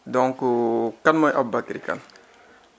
donc kan mooy aboubacry Kane